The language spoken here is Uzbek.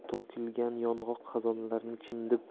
to'kilgan yong'oq xazonlarini chimdib